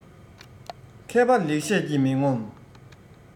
མཁས པ ལེགས བཤད ཀྱིས མི ངོམས